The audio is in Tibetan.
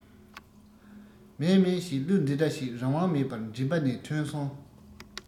མཱེ མཱེ ཞེས གླུ འདི འདྲ ཞིག རང དབང མེད པར མགྲིན པ ནས ཐོན སོང